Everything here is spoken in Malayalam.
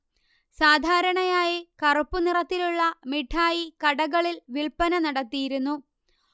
സാധാരണയായി കറുപ്പു നിറത്തിലുള്ള മിഠായി കടകളിൽ വിൽപ്പന നടത്തിയിരുന്നു